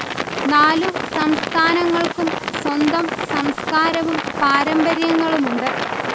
നാലു സംസ്ഥാനങ്ങൾക്കും സ്വന്തം സംസ്കാരവും പാരമ്പര്യങ്ങളുമുണ്ട്